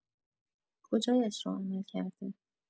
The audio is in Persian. کجایش را عمل کرده؟